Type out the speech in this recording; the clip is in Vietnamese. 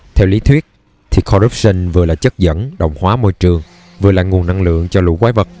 theo lý thuyết thì corruption vừa là chất dẫn đồng hóa môi trường vừa là nguồn năng lượng cho lũ quái vật